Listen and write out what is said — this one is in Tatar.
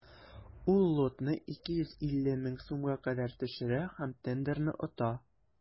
Ул лотны 250 мең сумга кадәр төшерә һәм тендерны ота.